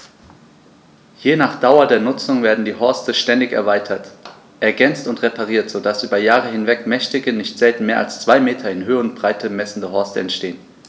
Je nach Dauer der Nutzung werden die Horste ständig erweitert, ergänzt und repariert, so dass über Jahre hinweg mächtige, nicht selten mehr als zwei Meter in Höhe und Breite messende Horste entstehen.